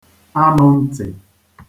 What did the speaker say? anụ ntị